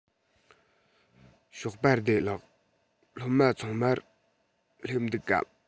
ཞོགས པ བདེ ལེགས སློབ མ ཚང མ སླེབས འདུག གམ